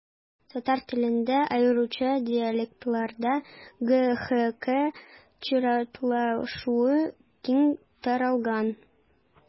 Татар телендә, аеруча диалектларда, г-х-к чиратлашуы киң таралган.